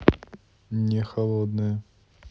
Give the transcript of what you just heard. не холодное